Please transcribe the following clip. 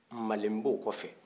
male bo kɔfɛ